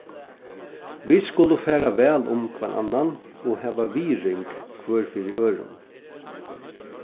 vit skulu fara væl um hvønn annan og hava virðing hvør fyri øðrum